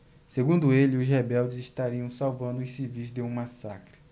segundo ele os rebeldes estariam salvando os civis de um massacre